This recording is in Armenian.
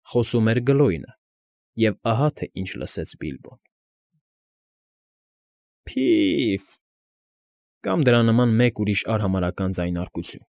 Խոսում էր Գլոյնը, և ահա թե ինչ լսեց Բիլբոն. ֊ Փի՛ֆ (կամ դրա նման մեկ ուրիշ արհամարհական ձայնարկություն)։